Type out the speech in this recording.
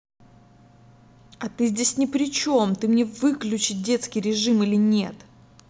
а ты здесь не причем ты мне выключить детский режим или нет